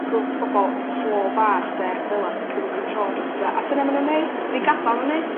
rwrth pobol yn slo bach 'de fel 'a ti'n cymyd control dros petha. A dyna ma' nw'n neu'. Ni'n gadal n'w neu'.